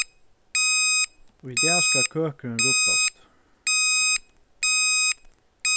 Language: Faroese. í dag skal køkurin ruddast